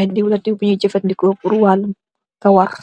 y deew la deew bunu jenfandeku purr walum kawarr.